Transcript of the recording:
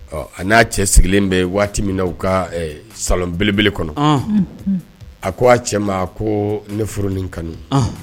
Ɔ a n'a cɛ sigilen bɛ waati min na u ka ɛɛ salon belebele kɔnɔ ɔnnhɔn unhun a ko aa cɛ ma koo ne furu nin kanu anhan